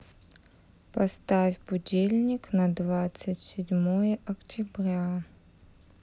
поставь будильник на двадцать седьмое октября